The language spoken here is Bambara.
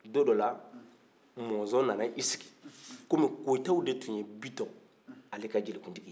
don dɔ la monzon nan'i sigi kɔmi koyitaw de tun ye biton ka jelikuntigi ye